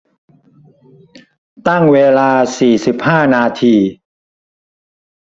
ตั้งเวลาสี่สิบห้านาที